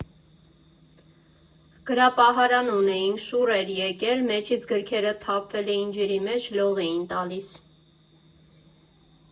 Գրապահարան ունեինք, շուռ էր եկել, մեջից գրքերը թափվել էին ջրի մեջ, լող էին տալիս։